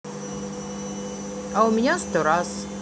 а у меня сто раз